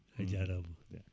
ajarama